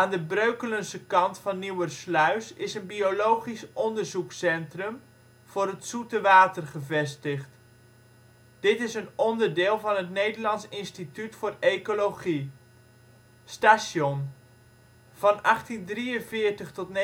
de Breukelense kant van Nieuwersluis is een biologisch onderzoekscentrum voor het zoete water gevestigd. Dit is een onderdeel van het Nederlands Instituut voor Ecologie. Van 1843 tot 1953